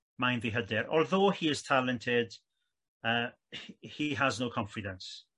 mae'n ddihyder although he is talented yy he has no confidence.